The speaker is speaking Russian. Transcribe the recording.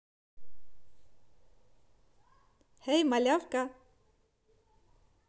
хэй малявка